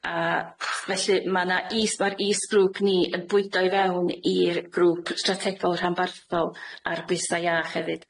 A felly ma' 'na is- ma'r is-grŵp ni yn bwydo i fewn i'r grŵp strategol rhanbarthol ar bwysa' iach hefyd.